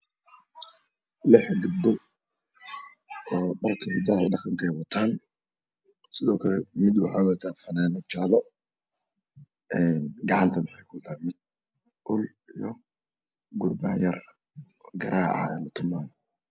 Gabdho sidoo kale wuxuu wataa fananad jaalo gacanta wuxuu ku wataa mid ul